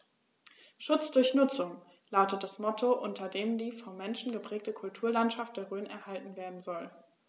„Schutz durch Nutzung“ lautet das Motto, unter dem die vom Menschen geprägte Kulturlandschaft der Rhön erhalten werden soll.